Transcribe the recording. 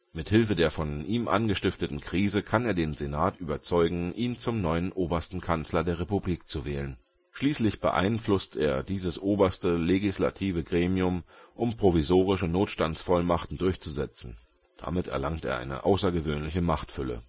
Mit Hilfe der von ihm angestifteten Krise kann er den Senat überzeugen, ihn zum neuen Obersten Kanzler der Republik zu wählen. Schließlich beeinflusst er dieses oberste legislative Gremium, um provisorische Notstandsvollmachten durchzusetzen. Damit erlangt er eine außergewöhnliche Machtfülle